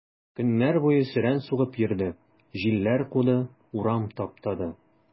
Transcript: Көннәр буе сөрән сугып йөрде, җилләр куды, урам таптады.